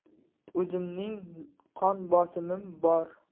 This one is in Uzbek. o'zimning qon bosimim bor